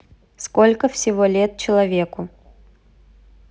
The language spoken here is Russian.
сколько всего лет человеку